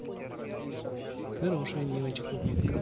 хорошая девочка